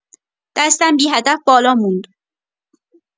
دستم بی‌هدف بالا موند.